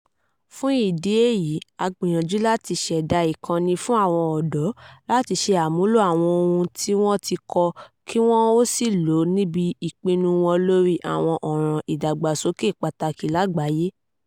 Fún ìdí èyí, a gbìyànjú láti ṣẹ̀dá ìkànnì kan fún àwọn ọ̀dọ́ láti ṣe àmúlò àwọn ohun tí wọ́n ti kọ́ kí wọ́n ó sì lò wọ́n níbi ìpinnu wọn lórí àwọn ọ̀ràn ìdàgbàsókè pàtàkì lágbàáyé.